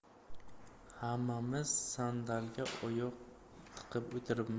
hammamiz sandalga oyoq tiqib o'tiribmiz